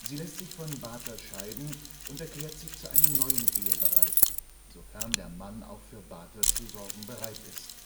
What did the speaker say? Sie lässt sich von Bater scheiden und erklärt sich zu einer neuen Ehe bereit, sofern der Mann auch für Bater zu sorgen bereit ist